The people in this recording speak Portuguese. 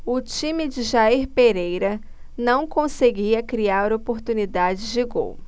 o time de jair pereira não conseguia criar oportunidades de gol